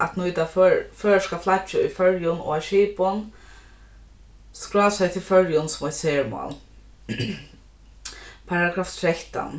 at nýta føroyska flaggið í føroyum og á skipum skrásett í føroyum sum eitt sermál paragraf trettan